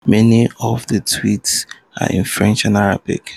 Many of the tweets are in French and Arabic.